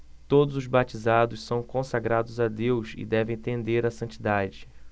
todos os batizados são consagrados a deus e devem tender à santidade